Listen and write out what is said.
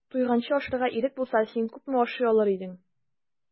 Туйганчы ашарга ирек булса, син күпме ашый алыр идең?